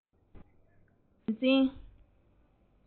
དཔོན ངན དང བཀས བཀོད རྒྱུད འཛིན